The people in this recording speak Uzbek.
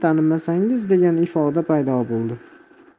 tanimasangiz degan ifoda paydo bo'ldi